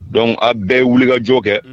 Donc a bɛɛ ye wuli ka jɔ kɛ.